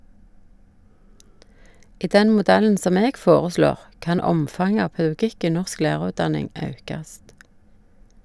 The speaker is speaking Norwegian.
I den modellen som eg foreslår, kan omfanget av pedagogikk i norsk lærarutdanning aukast.